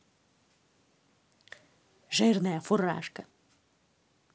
жирная фуражка